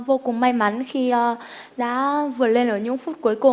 vô cùng may mắn khi đã đã vượt lên ở những phút cuối cùng